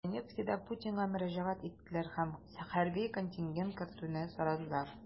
Донецкида Путинга мөрәҗәгать иттеләр һәм хәрби контингент кертүне сорадылар.